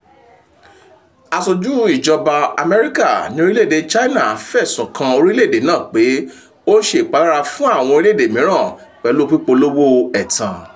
Aṣojú ìjọba US ní orílẹ̀èdè China fẹ̀sùn kan orílẹ̀èdè náà pé ó ń ṣe ìpalára fún àwọn orílẹ̀èdè mìíràn pẹ̀lú pípolówó ẹ̀tàn.